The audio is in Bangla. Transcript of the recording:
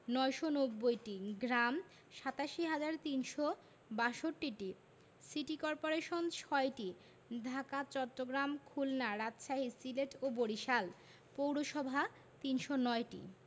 ৯৯০টি গ্রাম ৮৭হাজার ৩৬২টি সিটি কর্পোরেশন ৬টি ঢাকা চট্টগ্রাম খুলনা রাজশাহী সিলেট ও বরিশাল পৌরসভা ৩০৯টি